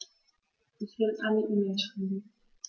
Ich will eine E-Mail schreiben.